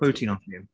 Pwy wyt ti'n hoffi?